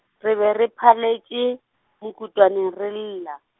re be re phaletše, mokutwaneng re lla.